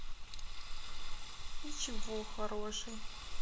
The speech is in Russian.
ничего хорошей